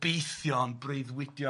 beithio'n breuddwydion